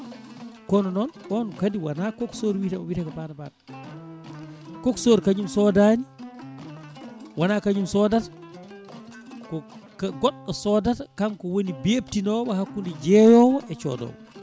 kono noon on kadi wona coxeur wiite o wiite ko banabana coxeur kañum sodani wona kañum sodata ko goɗɗo sodata kanko woni bebtino hakkude jeeyowo e coodowo